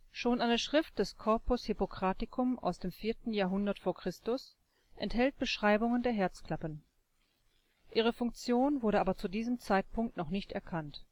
Schon eine Schrift des Corpus Hippocraticum aus dem 4. Jahrhundert v. Chr. enthält Beschreibungen der Herzklappen. Ihre Funktion wurde aber zu diesem Zeitpunkt noch nicht erkannt